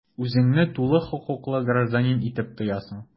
Үзеңне тулы хокуклы гражданин итеп тоясың.